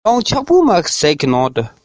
འབྲེལ བ མེད སྙམ གྱིན